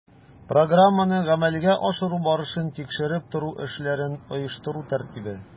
Программаны гамәлгә ашыру барышын тикшереп тору эшләрен оештыру тәртибе